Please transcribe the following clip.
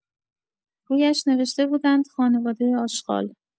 رویش نوشته بودند خانواده آشغال